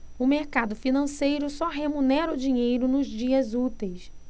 o mercado financeiro só remunera o dinheiro nos dias úteis